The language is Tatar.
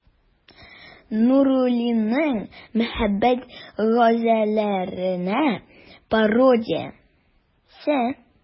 Нуруллинның «Мәхәббәт газәлләренә пародия»се.